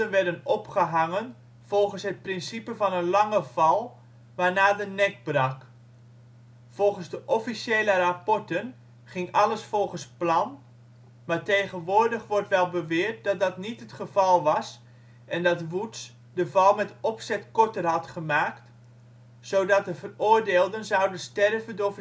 werden opgehangen volgens het principe van een lange val, waarna de nek brak. Volgens de officiële rapporten ging alles volgens plan, maar tegenwoordig wordt wel beweerd dat dat niet het geval was en dat Woods de val met opzet korter had gemaakt, zodat de veroordeelden zouden sterven door